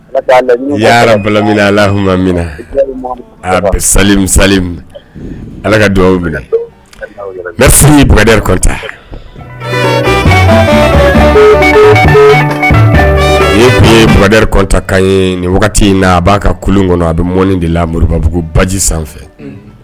Ya min a ala ka dugawu bila nerɛrita ye baraɛri kɔta ka ye nin wagati in a b'a ka kolon kɔnɔ a bɛ mɔni de la moribabugu baji sanfɛ